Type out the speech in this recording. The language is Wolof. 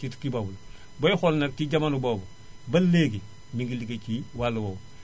ki ki boobu booy xool nag si jamono boobu ba léegi mi ngi ligéey ci wàll woowu